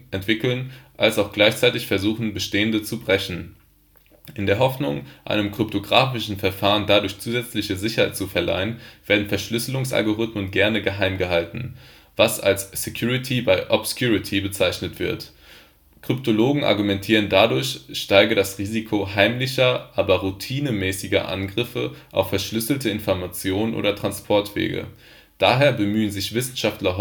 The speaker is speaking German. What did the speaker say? entwickeln als auch gleichzeitig versuchen, bestehende zu brechen. In der Hoffnung, einem kryptographischen Verfahren dadurch zusätzliche Sicherheit zu verleihen, wurden Verschlüsselungsalgorithmen gerne geheim gehalten, was als Security by Obscurity bezeichnet wird. Kryptologen argumentieren, dadurch steige das Risiko heimlicher, aber routinemäßiger Angriffe auf verschlüsselte Information oder Transportwege. Daher bemühen sich Wissenschaftler